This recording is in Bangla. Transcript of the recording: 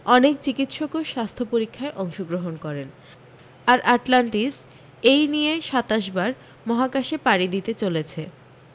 অনেক চিকিৎসকও স্বাস্থ্য পরীক্ষায় অংশগ্রহণ করেন আর আটলান্টিস এই নিয়ে সাতাশ বার মহাকাশে পাড়ি দিতে চলেছে